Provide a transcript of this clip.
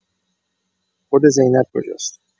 خود زینب کجاس؟